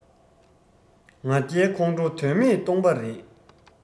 ང རྒྱལ ཁོང ཁྲོ དོན མེད སྟོང པ རེད